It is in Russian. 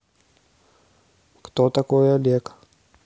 кто такой олег